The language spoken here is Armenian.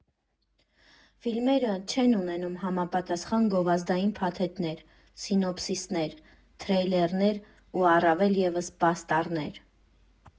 Ֆիլմերը չեն ունենում համապատասխան գովազդային փաթեթներ՝ սինոփսիսներ, թրեյլերներ ու առավել ևս՝ պաստառներ։